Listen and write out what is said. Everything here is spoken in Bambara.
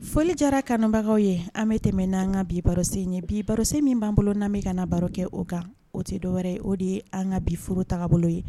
Foli jara kanbagaw ye an bɛ tɛmɛ n' anan ka bi barorosen ɲɛ bibarosen min b'an bolo na ka na baro kɛ o kan o tɛ dɔwɛrɛ o de ye an ka bi furu ta bolo ye